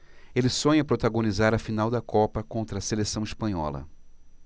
ele sonha protagonizar a final da copa contra a seleção espanhola